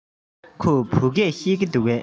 ཁོས བོད སྐད ཤེས ཀྱི འདུག གས